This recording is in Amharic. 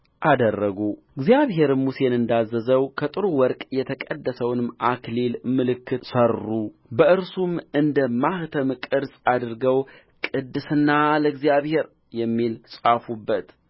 አደረጉ እግዚአብሔርም ሙሴን እንዳዘዘው ከጥሩ ወርቅ የተቀደሰውን የአክሊል ምልክት ሠሩ በእርሱም እንደ ማኅተም ቅርጽ አድርገው ቅድስና ለእግዚአብሔር የሚል ጻፉበት